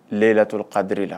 Leyilatul kadri la